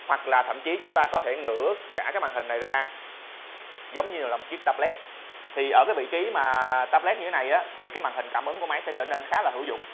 hoặc là thậm chí chúng ta có thể ngữa cả cái màn hình này ra giống như một chiếc tablet ở vị trí tablet như thế này thì cái màn hình cảm ứng của máy sẽ trở nên khá hữu dụng